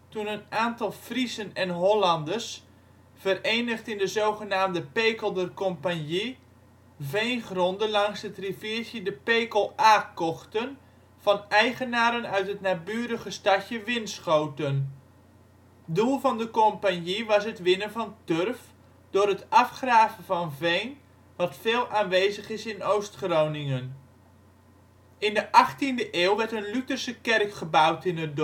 toen een aantal Friezen en Hollanders, verenigd in de zogenaamde Pekelder Compagnie, veengronden langs het riviertje de Pekel A kochten van eigenaren uit het naburige stadje Winschoten. Doel van de compagnie was het winnen van turf, door het afgraven van veen wat veel aanwezig is in Oost-Groningen. In de 18e eeuw werd een Lutherse kerk gebouwd in het dorp